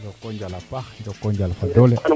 njoko njal a paax njoko njal fo doole